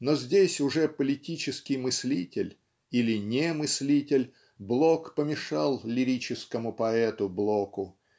Но здесь уже политический мыслитель (или не-мыслитель) Блок помешал лирическому поэту Блоку